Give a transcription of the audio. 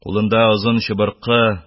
Кулында озын чыбыркы